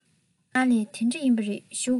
ཨ ལས དེ འདྲ ཡིན པ རེད བཞུགས དགོ